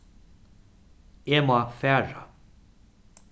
eg má fara